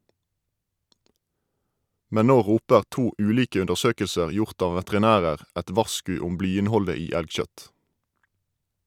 Men nå roper to ulike undersøkelser gjort av veterinærer et varsku om blyinnholdet i elgkjøtt.